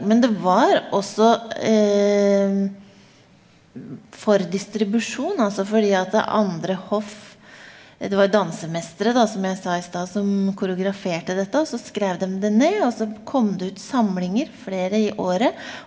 men det var også for distribusjon altså fordi at andre hoff det var dansemestre da som jeg sa i stad som koreograferte dette og så skreiv dem det ned også kom det ut samlinger flere i året.